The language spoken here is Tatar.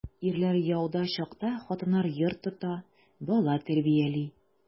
Ирләр яуда чакта хатыннар йорт тота, бала тәрбияли.